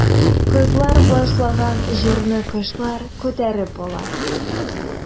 Кызлар башлаган җырны кошлар күтәреп ала.